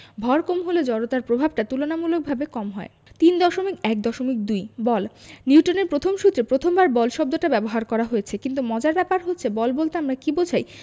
ভর কম হলে জড়তার প্রভাবটা তুলনামূলকভাবে কম হয় ৩.১.২ বল নিউটনের প্রথম সূত্রে প্রথমবার বল শব্দটা ব্যবহার করা হয়েছে কিন্তু মজার ব্যাপার হচ্ছে বল বলতে আমরা কী বোঝাই